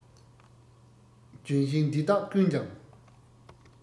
ལྗོན ཤིང འདི དག ཀུན ཀྱང